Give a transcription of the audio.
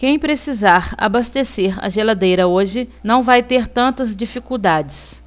quem precisar abastecer a geladeira hoje não vai ter tantas dificuldades